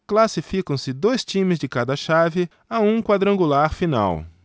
classificam-se dois times de cada chave a um quadrangular final